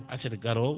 aset garowo